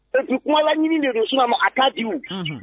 Et puis Kumala ɲini de don su ma a ka di n' hun